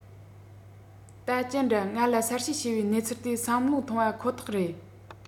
ད ཅི འདྲ ང ལ གསལ བཤད པའི གནས ཚུལ དེ བསམ བློ ཐོངས པ ཁོ ཐག རེད